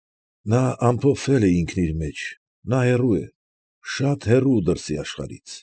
Նա ամփոփվել է ինքն իր մեջ, նա հեռու է, շատ հեռու դրսի աշխարհից։